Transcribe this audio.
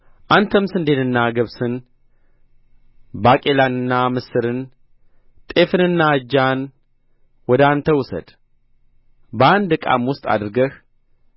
አንተም ስንዴንና ገብስን ባቄላንና ምስርን ጤፍንና አጃን ወደ አንተ ውሰድ በአንድ ዕቃም ውስጥ አድርገህ